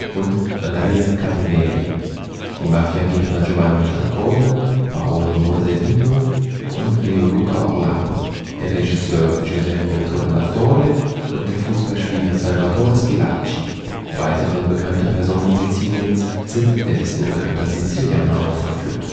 und Andrea Camilleri, die Mafiagegner Giovanni Falcone, Paolo Borsellino und Leoluca Orlando, der Regisseur Giuseppe Tornatore und der Fußballspieler Salvatore Schillaci. Weitere bekannte Personen Siziliens sind in der Liste bekannter Sizilianer aufgeführt